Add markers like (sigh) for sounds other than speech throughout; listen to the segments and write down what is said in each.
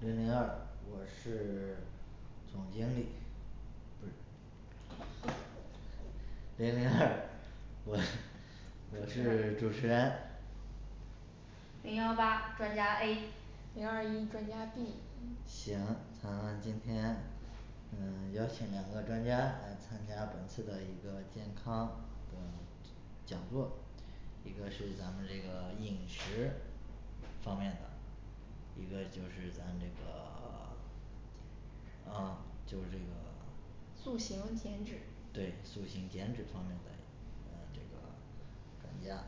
零零二我是总经理不是零零二 (noise) 我 (noise) 我是主持人零幺八专家A 零二一专家B 行咱们今天嗯邀请两个专家来参加本次的一个健康的讲 (unintelligible) 讲座一个是咱们这个饮食方面的一个就是咱这个 (silence) 啊就是这个 (silence) 塑形减脂对塑形减脂方面的呃这个专家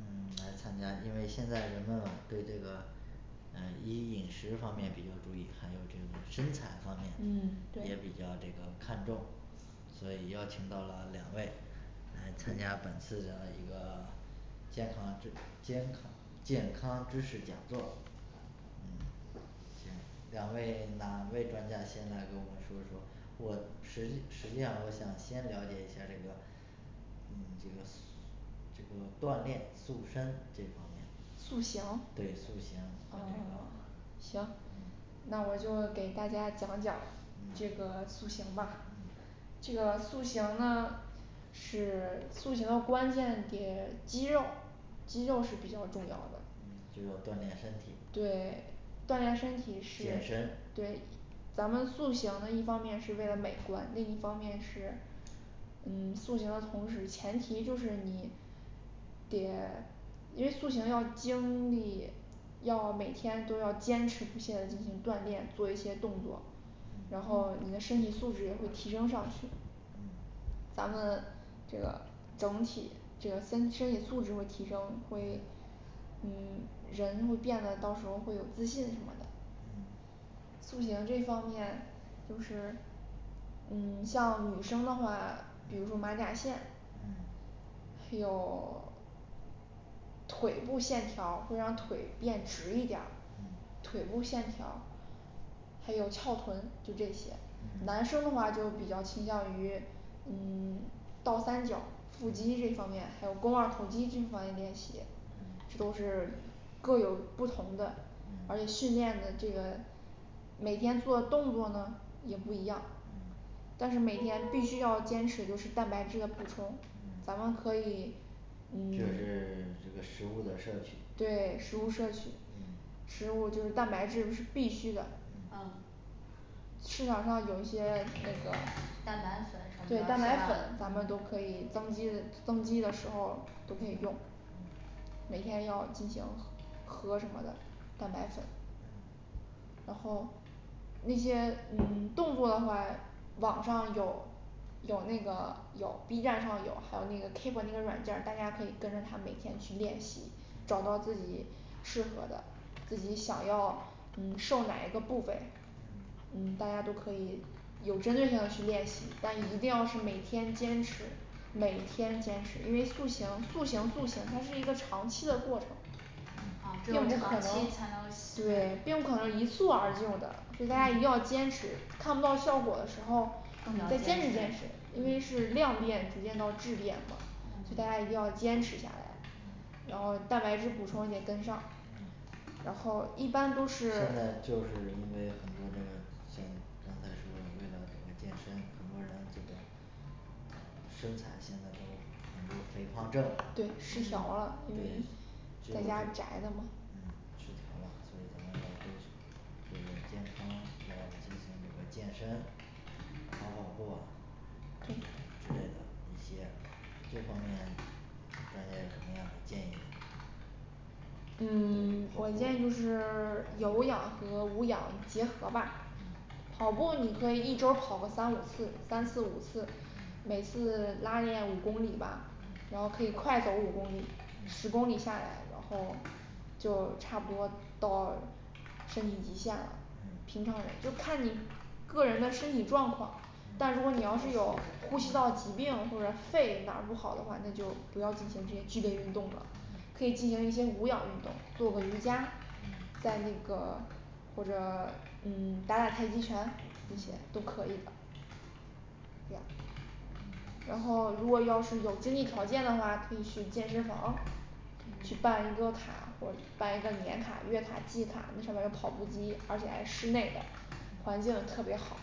嗯来参加因为现在人们啊对这个呃一饮食方面比较注意，还有这个身材方嗯面也比较这对个看重所以邀请到了两位来参加本次的一个健康知健康健康知识讲座嗯行两位哪位专家先来给我们说一说我实际实际上我想先了解一下这个嗯这个塑 (unintelligible) 这个锻炼塑身这方面塑形啊对塑形啊这方面行，嗯那我就给大家讲讲嗯这个塑形吧嗯这个塑形呢是 (silence) 塑形的关键点肌肉肌肉是比较重要的对 (silence) 嗯就要锻炼身体对锻炼身体健是身对咱们塑形呢一方面是为了美观另一方面是嗯塑形的同时前提就是你得因为塑形要经 (silence) 历要每天都要坚持不懈的进行锻炼做一些动作然嗯后你的身体素质也会提升上去嗯咱们这个整体这个身身体素质会提升会嗯嗯人会变得到时候会有自信什么的嗯塑形这方面。就是嗯你像女生的话，比如说马甲线，嗯还有 (silence) 腿部线条会让腿变直一点儿嗯，腿部线条，还有翘臀，就这些嗯男生的话就比较倾向于嗯 (silence) 倒三角腹肌这方面，还有弓二头肌这方面练习。嗯这都是各有不同的嗯而且训练的这个每天做动作呢也不一样嗯但是每天必须要坚持就是蛋白质的补充，嗯咱们可以嗯就 (silence) 是 (silence) 这个食物的摄取对食物摄取，嗯食物就是蛋白质是必须的呃嗯市场上有一些那个蛋白粉什么的对蛋白是吧粉咱们都嗯可以增肌的，增肌的时候都可以用，嗯每天要进行喝什么的蛋白粉嗯然后那些嗯 (silence) 动作的话，网上有有那个有B站上有还有那个keep那个软件儿，大家可以跟着它每天去练习，找到自己适合的自己想要嗯瘦哪一个部位，嗯嗯大家都可以有针对性的去练习，但一定要是每天坚持每天坚持因为塑形塑形塑形它是一个长期的过程啊嗯只并有不可长能期才能行对并不可能一蹴而就的所以大家一定要坚持看不到效果的时候你再坚持坚持因为是量变逐渐到质变嘛所以大家嗯一定要坚持下来然后蛋白质补充也跟嗯上然后一般都现是在就是因为很多这个像刚才说嘞为了这个健身很多人这个呃身材现在都很多肥胖症对失调了对这个嗯失调了所以咱们要对因为在家宅的嘛这个健康要进行一个健身跑跑步啊啊对之类的一些这方面专家有什么样的建议吗嗯对 (silence) 我跑建步议就是 (silence) 跑步有氧和无氧结合吧嗯跑步你可以一周儿跑个三五次三次五次嗯每次 (silence) 拉练五公里吧嗯然后可以快走五公里嗯十公里下来然后嗯就差不多到身体极限了嗯平常人就看你个人的身体状况，嗯但如果你要是有呼吸道疾病或者肺哪儿不好的话，那就不要进行这些剧烈运动了，嗯可以进行一些无氧运动，做个瑜伽嗯在那个或者 (silence) 嗯打打太极拳这些都可以的这样然嗯后如果要是有经济条件的话，可以去健身房去办一个卡或办一个年卡月卡季卡，那上面儿有跑步机，而且还室内的环境特别好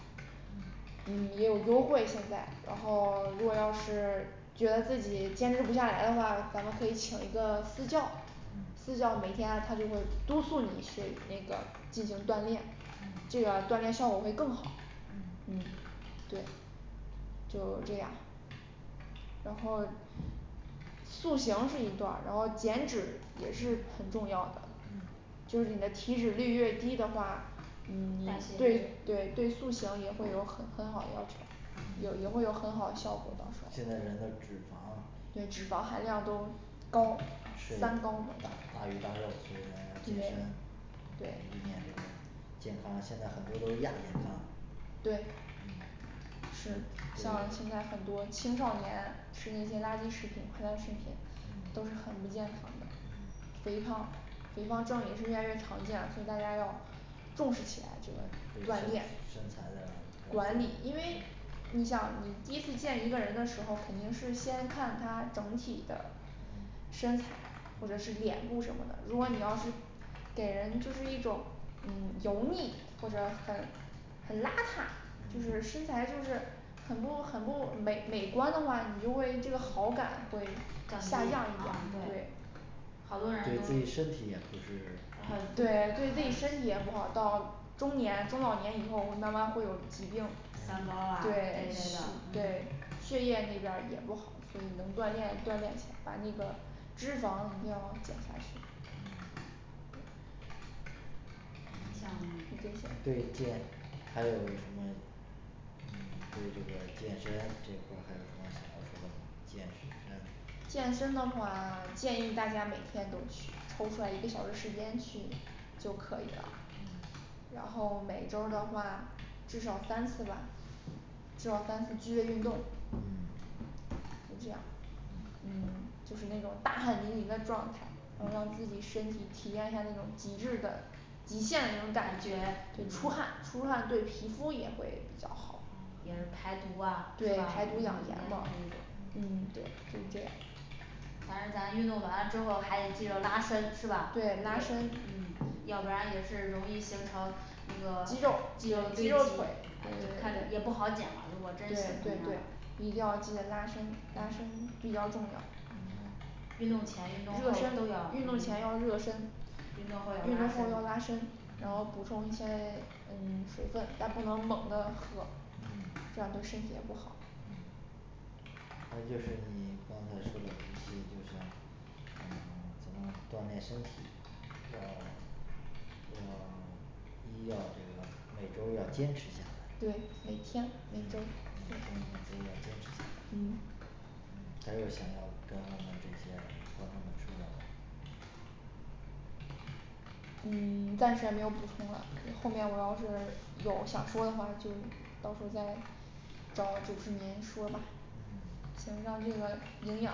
嗯嗯也有优惠现在然后 (silence) 如果要是觉得自己坚持不下来的话，咱们可以请一个私教，嗯私教每天他就会督促你去那个进行锻炼嗯这个锻炼效果会更好嗯对就这样然后塑形儿是一段儿然后减脂也嗯是很重要的嗯就是你的体脂率越低的话，你对对对塑形也会有很 (unintelligible) 很好要求，有也会有很好效果到嗯时现在候人的脂肪对脂肪含量都高三高吃么大大鱼大肉所以他要健身一点对都健康现在都是亚健康对嗯是像现对在很多青少年吃那些垃圾食品对咱身体嗯都是很不健康的嗯肥胖肥胖症也是越来越常见所以大家要重视起来这重视个锻炼身材的管嗯理因为你想你第一次见一个人的时候，肯定是先看他整体的嗯身材或者嗯是脸部什么的，如果你要是给人就是一种嗯油腻或者嗯很很邋遢，就是嗯身材就是很不很不美美观的话你就会这个好感会下降低降啊一点儿对对好多人对都自己身体也不是三高嗯啊这对类的虚对嗯血液那边儿也不好所以能锻炼锻炼一下把那个脂肪一定要减下去嗯嗯就 (silence) 这对些健还有什么嗯对这个健身这块儿还有什么想要说的吗？健身？健身的话 (silence) 建议大家每天都去抽出来一个小时时间去就可以了。然后每周儿的话至少三次吧至少三次剧烈运动嗯就这样嗯嗯就是那种大汗淋漓的状态，能让自己身体体验一下那种极致的极限的那种感觉，你出汗出汗对皮肤也会比较好嗯就是排毒啊是对吧排毒养颜嘛嗯嗯对就是这样还是咱运动完了之后还记得拉伸是吧对拉伸要不然也是容易形成那个肌肉肌肌肉肉腿腿开嗯始就不好减了我对就是那种对对一形定要状的记得拉伸拉伸比较重要运动前运动后热身都要运动前要热身运运动动后后要要拉伸拉伸然后补充再 (silence) 嗯水分但不能猛地喝嗯这样对身体也不好嗯还有就是你刚才说的一些就像呃 (silence) 咱们锻炼身体要 (silence) 要 (silence) 一要这个每周儿要坚持下来嗯嗯就是对每天每周每周要对嗯坚持下来嗯还有啥要跟我们这些观众们说的吗嗯 (silence) 暂时也没有补充了要 (unintelligible) 后面我要是有想说的话就到时候再找主持您说吧嗯行让这个营养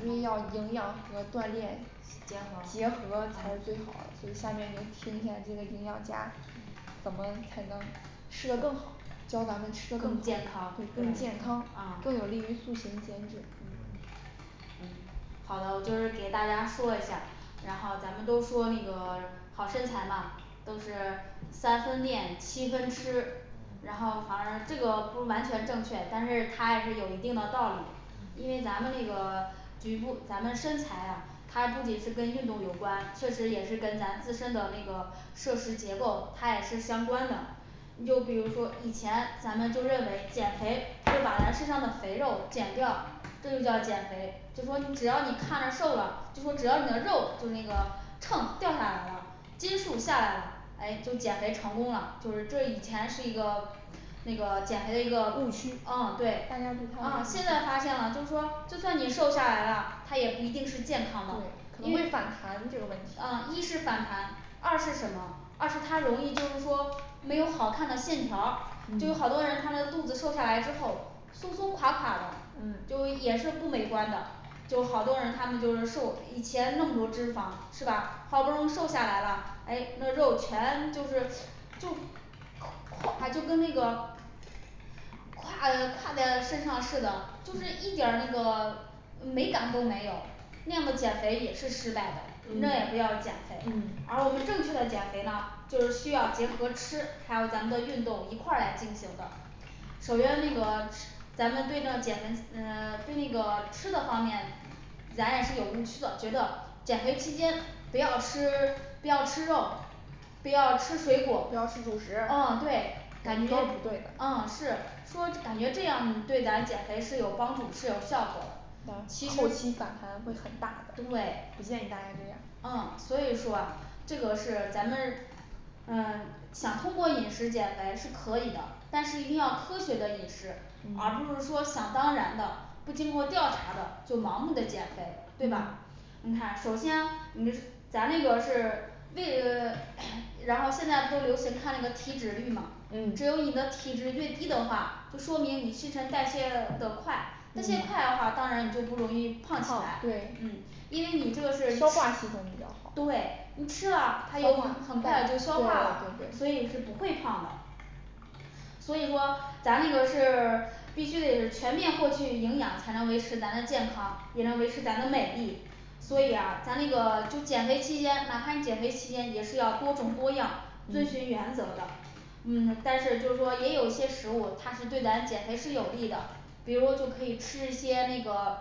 一定要营养和锻炼结结合合才是最好的所以下面也嗯听一下这个营养家嗯怎么才能吃得更好教咱们吃得更更健康啊对更对健康更有利于塑形减脂嗯嗯好的就是给大家说一下然后咱们都说那个 (silence) 好身材嘛都是三分练七分吃嗯然后反而这个不完全正确，但是它还是有一定的道理嗯因为咱们那个局部咱们身材呀它不仅是跟运动有关，确实也是跟咱自身的那个摄食结构它也是相关的你就比如说以前咱们都认为减肥就把身上的肥肉减掉，这就叫减肥，就说只要你看着瘦了，就说只要你的肉就是那个秤掉下来了斤数下来了诶就减肥成功了就是这以前是一个那个减肥一个误区啊大家对对它的为误啊现在发现了就是区说就算你瘦下来了它也不一定是健康对的啊可能一会反弹这个问题是反弹二是什么二是它容易就是说没有好看的线条儿就是好多人他的肚子瘦下来之后松松垮垮的嗯就也是不美观的有好多人他们就是瘦以前那么多脂肪是吧好不容易瘦下来啦诶那肉全就是就挎 (unintelligible) 挎就跟那个挎挎在身上似的就是嗯一点儿那个美感都没有那样的减肥也是失败的那也不嗯叫减肥嗯而我们正确的减肥呢就是需要结合吃还有咱们的运动一块儿来进行的首先那个吃 (unintelligible) 咱们这套减肥嗯对那个吃的方面咱也是有误区的觉得减肥期间不要吃不要吃肉不要吃水果啊对感觉啊是不要吃主食啊对全都不对的啊是说感觉这样对咱减肥是有帮助是有效果等的其实后期反弹会很大的对不建议大家这样啊所以说这个是咱们呃想通过饮食减肥是可以的，但是一定要科学的饮食而不是说想当然的不经过调查的就盲目的减肥嗯而不是说想当然的不经过调查的就盲目的减肥嗯你看首先你这 (unintelligible) 咱那个是位呃 (silence) (hesitation) 然后现在都流行看那个体脂率嘛，嗯只有你的体脂越低的话，就说明你新陈代谢的快，代谢嗯快的话当然你就不容易胖起来对嗯因为你这个是很快就消化了消化系统比较好对你吃了消化快对对所对以你是不会胖的所以说咱那个是 (silence) 必须得是全面获取营养才能维持咱的健康，也能维持咱的美丽所以嗯呀咱那个就减肥期间哪怕减肥期间也是要多种多样遵循原则的嗯但是就是说也有一些食物它是对咱减肥是有利的，比如就可以吃一些那个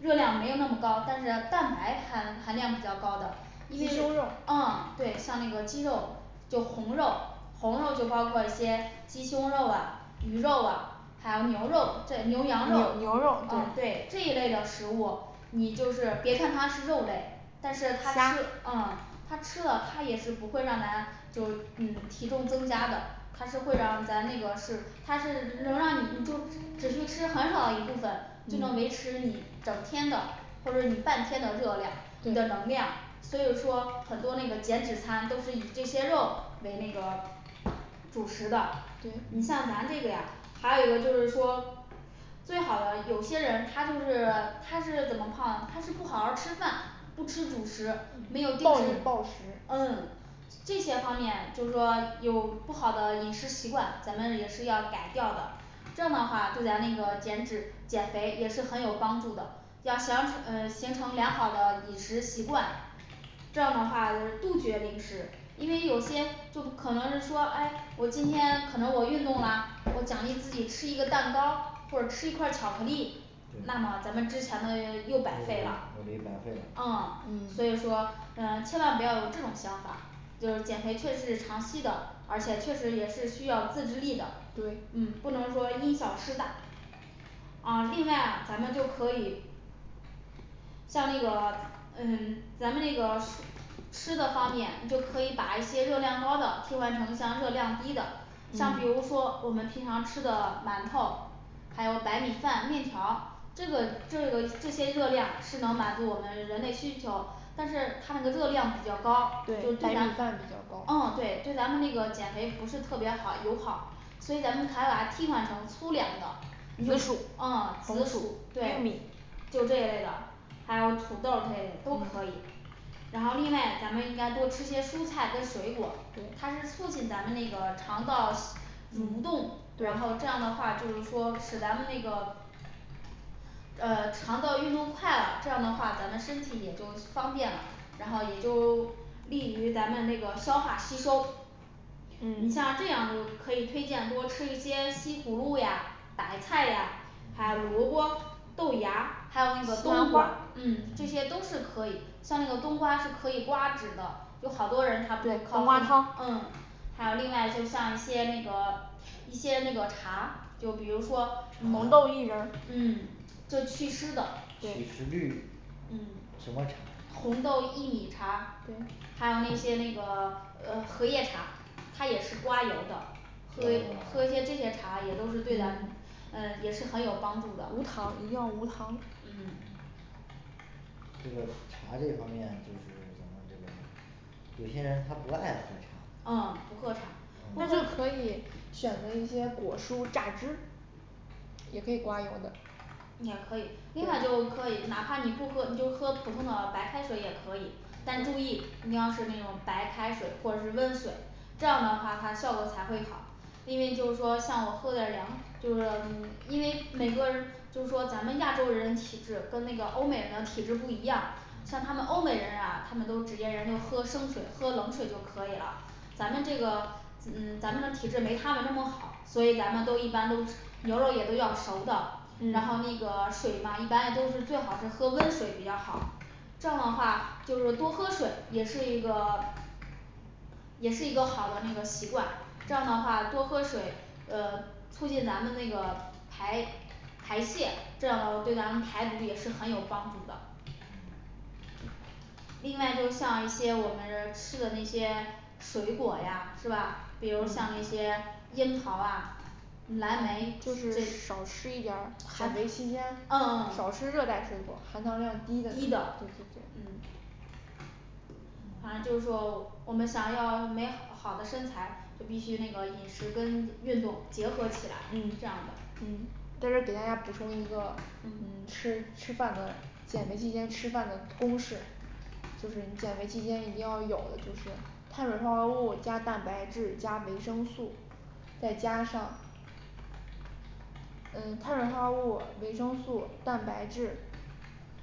热量没那么高，但是蛋白含含量比较高的一鸡些胸肉肉，啊对像那个鸡肉有红肉，红肉就包括一些鸡胸肉了，鱼肉了还有牛肉，对牛牛羊牛肉肉啊对对这一类的食物你就是别看它是肉类，但是它吃虾嗯它吃了它也是不会让咱就嗯体重增加的，它是会让咱那个是它是只能让你你就只需吃很少一部分就能维持你整天的或者你半天的热量，你的对能量，所以说很多那个减脂餐都是以这些肉为那个主食的，嗯对你像咱这个呀还有一个就是说最好的有些人他就是他是怎么胖，他是不好好儿吃饭，不吃主食，没有就暴饮是暴食嗯这些方面，就是说有不好的饮食习惯，咱们也是要改掉的这样的话对咱那个减脂，减肥也是很有帮助的，要想呃形成良好的饮食习惯这样的话就是杜绝零食，因为有些就可能是说哎我今天可能我运动啦，我奖励自己吃一个蛋糕或者吃一块巧克力那对么咱们之前的 (silence) 又白费了努 (silence) 努力白费了啊嗯所以说嗯千万不要有这种想法儿就是减肥确实是长期的，而且确实也是需要自制力的，对嗯不能说因小失大啊另外咱们就可以像那个嗯咱们那个吃的方面就可以把一些热量高的替换成，像热量低的，像嗯比如说我们平常吃的馒头还有白米饭、面条儿，这个这个这些热量是能满足我们人类需求，但是它的热量比较高对白米饭比较高嗯对对咱们那个减肥不是特别好友好所以咱们才把它替换成粗粮的啊嗯紫薯红薯对玉米嗯就这一类的还有土豆这类都可以然后另外咱们应该多吃些蔬菜跟水果，对它是促进咱们那个肠道蠕动，然后对这样的话就是说使咱们那个呃肠道运动快了，这样的话咱们身体也就方便了，然后也就利于咱们那个消化吸收你像嗯这样就可以推荐多吃一些西葫芦呀、白菜呀，还有萝卜、豆芽，还有那个西兰冬花瓜，嗯这些都是可以，像那个冬瓜是可以刮脂的有好多人他都对冬瓜汤嗯还有另外就像一些那个一些那个茶，就比如说嗯红茶豆薏仁嗯这祛湿的祛对湿绿嗯什么茶红豆薏米茶，对还有那些那个 (silence) 呃荷叶茶，它也是刮油的对哦 (silence) 喝些这些茶也都是对咱嗯也是很有帮助的无糖一定要无糖嗯这个茶这方面就是咱们这个有些人他不爱喝茶啊啊不喝茶那那就他可以选择一些果蔬榨汁也可以刮油的也可以应该对都可以哪怕你不喝你就喝普通的白开水也可以但注意你要是那种白开水或者是温水这样的话它效果才会好。因为就是说像我喝点凉，就是因为每个人就是说咱们亚洲人体质跟那个欧美人的体质不一样，像嗯他们欧美人啊他们都直接人都喝生水，喝冷水都可以了咱们这个嗯咱们体质没他们那么好，所以咱们都一般都牛肉也都要熟的，然后嗯那个水嘛一般都是正好儿是喝温水比较好这样的话就是多喝水也是一个也是一个好的那个习惯，这样嗯的话多喝水呃促进咱们那个排排泄，这样对咱们排毒也是很有帮助的嗯另外就是像一些我们吃的那些水果呀是吧？比如嗯像那些樱桃啊蓝莓就就是 (unintelligible) 少吃一点儿减肥期间嗯少吃热带水果含糖量低的低的对对对嗯啊就是嗯说我们想要美好的身材，就必须那个饮食跟运动结合起来嗯这样嗯的在这儿给大家补充一个吃吃饭的减肥期间吃饭的公式就是你减肥期间一定要有的就是碳水化合物加蛋白质加维生素，再加上嗯碳化合物、维生素、蛋白质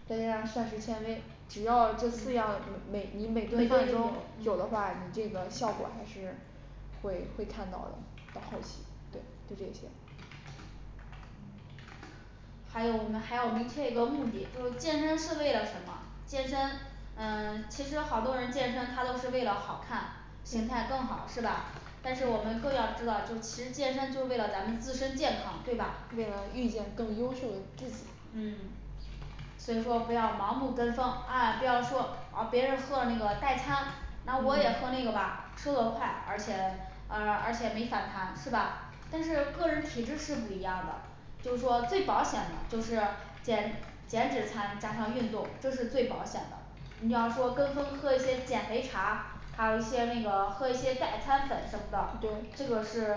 再加上膳食纤维，只要这四嗯样，你每你每顿饭中有的话，你这个效果还是会会看到的，到后期对就这些还有我们的还要明确一个目的，就是健身是为了什么？健身，嗯其实好多人健身他都是为了好看形态更好是吧？但是我们更要知道，就其实健身就为了咱们自身健康对吧嗯为了遇见更优秀的自己嗯所以说不要盲目跟风啊，不要说哦别人喝那个代餐，那我也嗯喝那个吧瘦得快而且啊而且没反弹是吧？但是个人体质是不一样的就是说最保险的就是减减脂餐加上运动，这是最保险的你要说跟风喝一些减肥茶，还有一些那个喝一些代餐粉什么的对这个是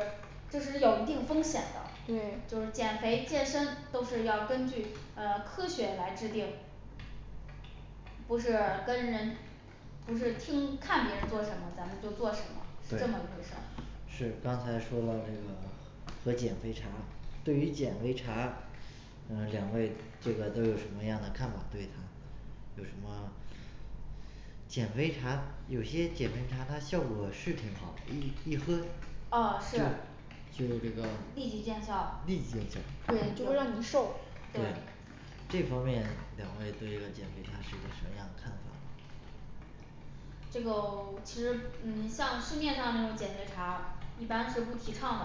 这是有一定风险的，对就是减肥健身都是要根据呃科学来制定不是跟人不是听看别人喝什么，咱们就做什么，这么回事对是刚才说到这个喝减肥茶对于减肥茶呃两位这个都有什么样的看法对它有什么减肥茶有些减肥茶它效果是挺好一一喝啊就是就这个立即见效立即见效对就会让你瘦对这方面两位对这个减肥茶是一个什样看法这个 (silence) 其实嗯像市面上那种减肥茶一般是不提倡的，